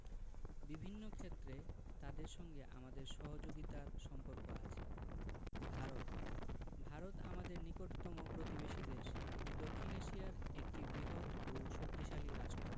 বিভিন্ন ক্ষেত্রে তাদের সঙ্গে আমাদের সহযোগিতার সম্পর্ক আছে ভারতঃ ভারত আমাদের নিকটতম প্রতিবেশী দেশএটি দক্ষিন এশিয়ার একটি বৃহৎও শক্তিশালী রাষ্ট্র